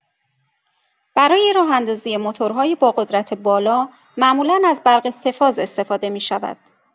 برای راه‌اندازی موتورهای با قدرت بالا، معمولا از برق سه‌فاز استفاده می‌شود.